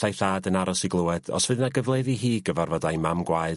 ...ai thad yn aros i glywed os fydd 'na gyfle iddi hi gyfarfod a'i mam gwaed...